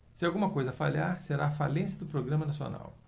se alguma coisa falhar será a falência do programa nacional